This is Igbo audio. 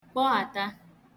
kpọghàta